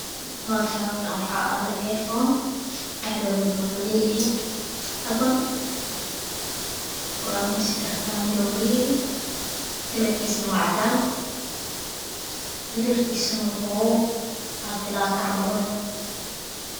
Hakan waxa yala Ayfon dhaxdana wuxukuLeyahay AbaL waxana leyahay sidax kamiro kalarkisan waacadan dhirirkisana haltalako camal